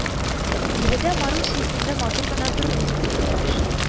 Биредә Маруся исемле матур гына бер рус кызы да эшли